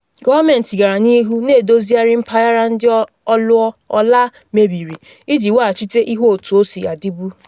Gọọmentị gara n’ihu na edozigharị mpaghara ndị ọlụọ ọlaa mebiri iji weghachite ihe otu o si adịbu.